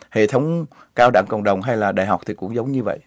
hệ thống cao đẳng cộng đồng hay là đại học thì cũng giống như vậy